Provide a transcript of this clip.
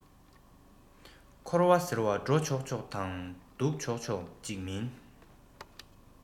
འཁོར བ ཟེར བ འགྲོ ཆོག ཆོག དང འདུག ཆོག ཆོག ཅིག མིན